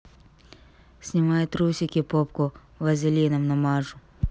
снимай трусики попку вазелином намажу